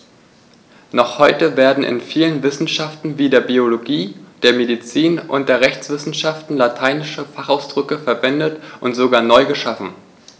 Noch heute werden in vielen Wissenschaften wie der Biologie, der Medizin und der Rechtswissenschaft lateinische Fachausdrücke verwendet und sogar neu geschaffen.